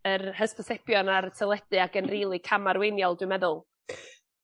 yr hysbysebion ar y teledu ag yn rili cam-arweiniol dwi meddwl.